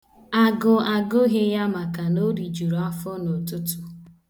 Ajụ agụghị ya makana o rijuru afọ n' ụtụtụ.